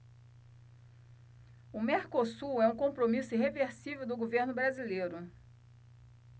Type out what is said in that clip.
o mercosul é um compromisso irreversível do governo brasileiro